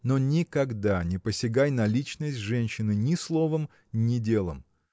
но никогда не посягай на личность женщины ни словом ни делом.